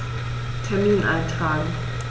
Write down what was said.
Termin eintragen